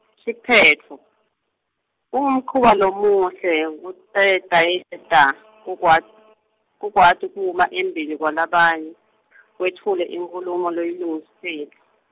siphetfo, Kungumkhuba lomuhle yeng- kutetayeta, kukwat- kukwati kuma embili kwalabanye , wetfule inkhulumo loyilungisile.